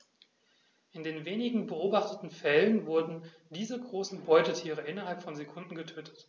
In den wenigen beobachteten Fällen wurden diese großen Beutetiere innerhalb von Sekunden getötet.